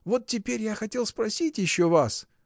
Вот теперь я хотел спросить еще вас.